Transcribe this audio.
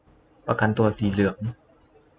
ประกันตัวสีเหลือง